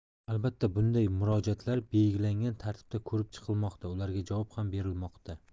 albatta bunday murojaatlar belgilangan tartibda ko'rib chiqilmoqda ularga javob ham berilmoqda